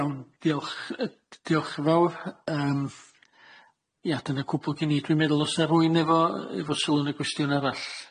Iawn diolch yy diolch yn fawr yym ia dyna cwpwl gin i dwi'n meddwl os na rwy'n efo efo sylw yn y gwestiwn arall?